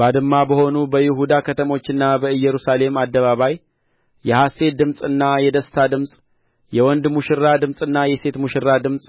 ባድማ በሆኑ በይሁዳ ከተሞችና በኢየሩሳሌም አደባባይ የሐሤት ድምፅና የደስታ ድምፅ የወንድ ሙሽራ ድምፅና የሴት ሙሽራ ድምፅ